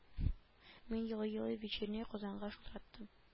Мин елый-елый вечерняя казанга шалтыраттым